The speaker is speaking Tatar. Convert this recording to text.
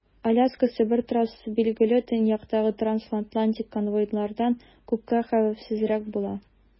Аляска - Себер трассасы, билгеле, төньяктагы трансатлантик конвойлардан күпкә хәвефсезрәк була.